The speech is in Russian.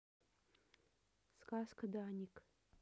сказка даник